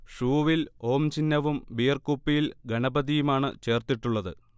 ഷൂവിൽ ഓം ചിഹ്നവും ബിയർകുപ്പിയിൽ ഗണപതിയുമാണ് ചേർത്തിട്ടുള്ളത്